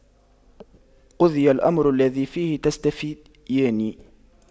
قُضِيَ الأَمرُ الَّذِي فِيهِ تَستَفِتيَانِ